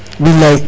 bilay